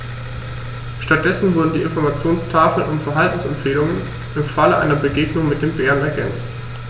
Stattdessen wurden die Informationstafeln um Verhaltensempfehlungen im Falle einer Begegnung mit dem Bären ergänzt.